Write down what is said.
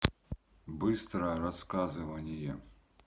быстро рассказывание